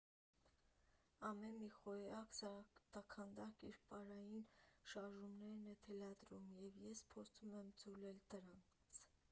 Ամեն մի խոյակ, զարդաքանդակ իր պարային շարժումն է թելադրում, և ես փորձում եմ ձուլվել դրանց»։